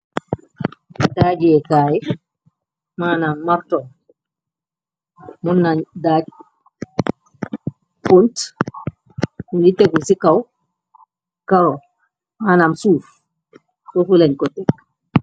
Daajekaay, manam marton. Muna daaj pont mungi tégu ci kaw karo, manam suuf fofulañ ko teg.